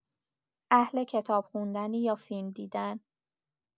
اهل کتاب خوندنی یا فیلم دیدن؟